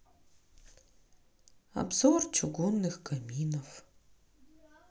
обзор чугунных каминов